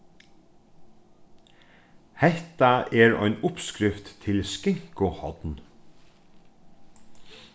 hetta er ein uppskrift til skinkuhorn